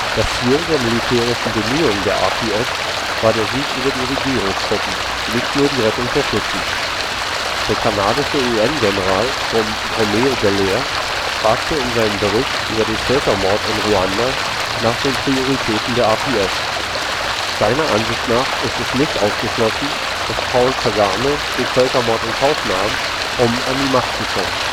Das Ziel der militärischen Bemühungen der RPF war der Sieg über die Regierungstruppen, nicht nur die Rettung der Tutsi. Der kanadische UN-General Roméo Dallaire fragt in seinem Bericht über den Völkermord in Ruanda nach den Prioritäten der RPF. Seiner Ansicht nach ist es nicht ausgeschlossen, dass Paul Kagame den Völkermord in Kauf nahm, um an die Macht zu kommen